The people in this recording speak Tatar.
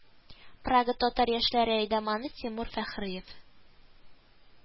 Прага татар яшьләре әйдәманы Тимур Фәхриев